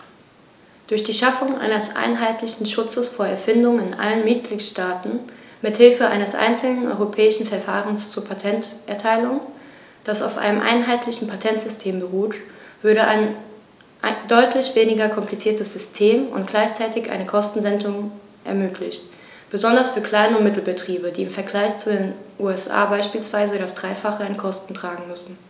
Durch die Schaffung eines einheitlichen Schutzes von Erfindungen in allen Mitgliedstaaten mit Hilfe eines einzelnen europäischen Verfahrens zur Patenterteilung, das auf einem einheitlichen Patentsystem beruht, würde ein deutlich weniger kompliziertes System und gleichzeitig eine Kostensenkung ermöglicht, besonders für Klein- und Mittelbetriebe, die im Vergleich zu den USA beispielsweise das dreifache an Kosten tragen müssen.